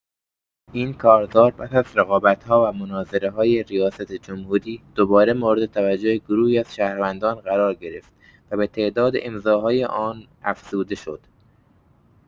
این کارزار پس از رقابت‌ها و مناظره‌های ریاست‌جمهوری دوباره مورد توجه گروهی از شهروندان قرار گرفت و به تعداد امضاهای آن افزوده شد.